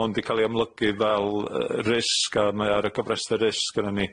Ma' hwn 'di ca'l 'i amlygu fel yy risg a mae o ar y cofrestr risg gynnon ni.